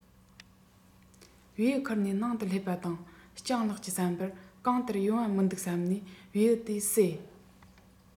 བེའུ འཁུར ནས ནང དུ སླེབས པ དང སྤྱང ལགས ཀྱི བསམ པར གང ལྟར ཡོང བ མི འདུག བསམས ནས བེའུ དེ བསད